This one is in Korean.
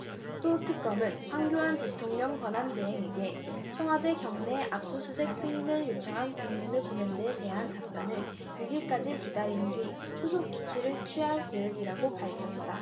또 특검은 황교안 대통령 권한대행에게 청와대 경내 압수수색 승인을 요청한 공문을 보낸 데 대한 답변을 육 일까지 기다린 뒤 후속 조치를 취할 계획이라고 밝혔다